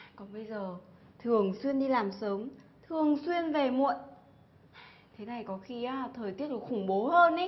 còn bây giờ thường xuyên đi làm sớm thường xuyên về muộn thế này có khi á thời tiết còn khủng bố hơn ấy